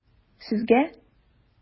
Сезгә?